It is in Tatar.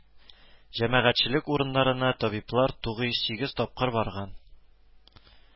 Җәмәгатьчелек урыннарына табиблар тугыз йөз сигез тапкыр барган